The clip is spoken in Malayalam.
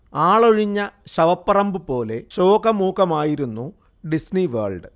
ആളൊഴിഞ്ഞ ശവപ്പറമ്പ് പോലെ ശോകമൂകമായിരുന്നു ഡിസ്നി വേൾഡ്